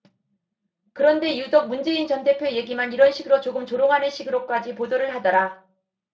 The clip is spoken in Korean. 그런데 유독 문재인 전 대표 얘기만 이런 식으로 조금 조롱하는 식으로까지 보도를 하더라